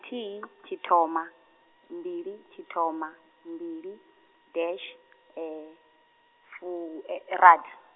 thihi tshithoma, mbili tshithoma, mbili dash, fu- rathi.